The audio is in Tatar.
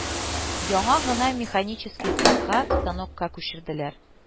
Яңа гына механический цехка, станокка күчерделәр